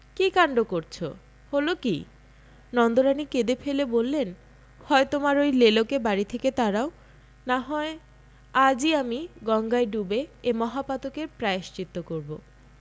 কি কাণ্ড করচ হলো কি নন্দরানী কেঁদে ফেলে বললেন হয় তোমার ঐ লেলোকে বাড়ি থেকে তাড়াও না হয় আজই আমি গঙ্গায় ডুবে এ মহাপাতকের প্রায়শ্চিত্ত করব